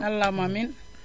alaxuma amiin